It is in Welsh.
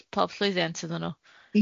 pob ll- pob llwyddiant iddyn n'w.